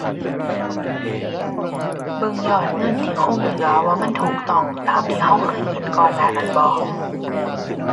เบิ่งยอดเงินที่คงเหลือว่ามันถูกต้องตามที่เราเคยเห็นก่อนหน้านั้นบ่